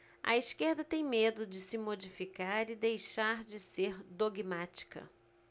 a esquerda tem medo de se modificar e deixar de ser dogmática